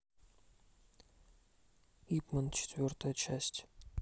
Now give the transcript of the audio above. ип мен четвертая часть